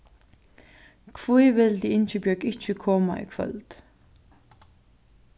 hví vildi ingibjørg ikki koma í kvøld